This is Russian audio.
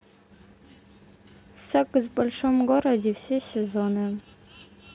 секс в большом городе все сезоны